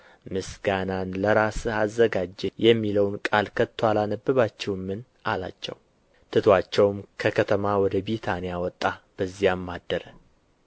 ምስጋናን ለራስህ አዘጋጀህ የሚለውን ቃል ከቶ አላነበባችሁምን አላቸው ትቶአቸውም ከከተማ ወደ ቢታንያ ወጣ በዚያም አደረ